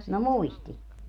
no muisti